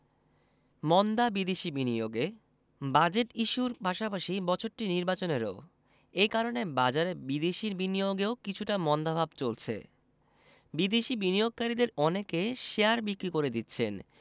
মন্দা বিদেশি বিনিয়োগে বাজেট ইস্যুর পাশাপাশি বছরটি নির্বাচনেরও এ কারণে বাজারে বিদেশির বিনিয়োগেও কিছুটা মন্দাভাব চলছে বিদেশি বিনিয়োগকারীদের অনেকে শেয়ার বিক্রি করে দিচ্ছেন